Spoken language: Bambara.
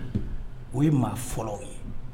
O ye maa fɔlɔw ye